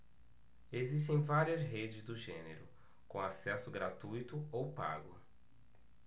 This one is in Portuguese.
existem várias redes do gênero com acesso gratuito ou pago